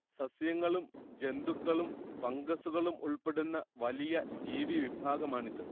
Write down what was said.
സസ്യങ്ങളും ജന്തുക്കളും ഫംഗസ്സുകളും ഉൾപ്പെടുന്ന വലിയ ജീവിവിഭാഗമാണിത്